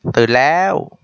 ตื่นแล้ว